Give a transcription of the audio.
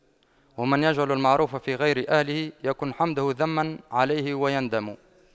ومن يجعل المعروف في غير أهله يكن حمده ذما عليه ويندم